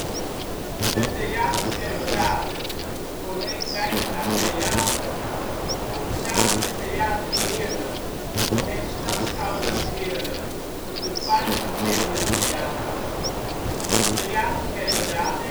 Theater Kerkrade (voorheen Wijngrachttheater) vormt samen met Theater Heerlen (voorheen Stadsschouwburg Heerlen) de Parkstad Limburg Theaters. Theater Kerkrade